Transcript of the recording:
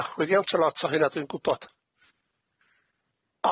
Ma' chwyddiant o lot o hynna dwi'n gwbod.